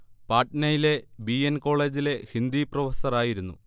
പാട്നയിലെ B. N കോളേജിലെ ഹിന്ദി പ്രൊഫസ്സറായിരുന്നു